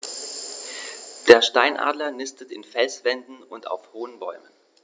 Der Steinadler nistet in Felswänden und auf hohen Bäumen.